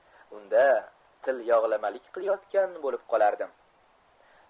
unda tilyog'lamalik qilayotganday bo'lib qolardim